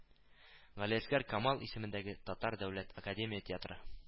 Галиәсгар Камал исемендәге Татар дәүләт академия театры